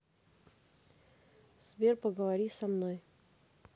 сбер поговори со мной